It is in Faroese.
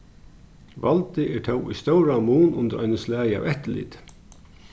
valdið er tó í stóran mun undir einum slagi av eftirliti